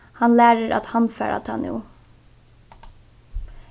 hann lærir at handfara tað nú